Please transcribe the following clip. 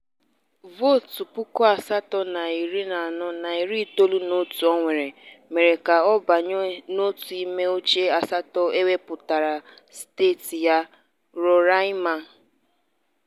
Vootu 8,491 o nwere mere ka ọ banye n'otu n'ime oche asatọ e wepụtara steeti ya, Roraima.